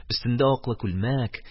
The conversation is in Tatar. Өстендә аклы күлмәк.